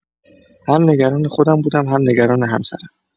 هم نگران خودم بودم هم نگران همسرم